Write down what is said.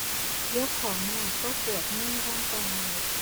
ยกของหนักก็ปวดเมื่อยร่างกาย